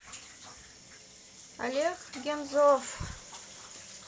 олег гензов